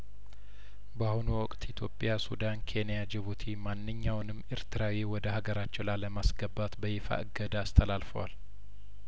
በአሁኑ ወቅት ኢትዮጵያ ሱዳን ኬንያና ጅቡቲ ማንኛውንም ኤርትራዊ ወደ ሀገራቸው ላለማስገባት በይፋ እገዳ አስተላልፈዋል